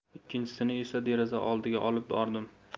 ikkinchisini esa deraza oldiga olib bordim